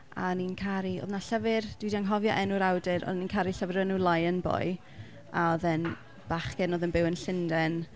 A o'n i'n caru, oedd 'na llyfr, dwi 'di anghofio enw'r awdur, ond o'n i'n caru llyfr enw Lion Boy. A oedd e'n bachgen oedd yn byw yn Llundain.